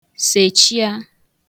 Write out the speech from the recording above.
sèchịa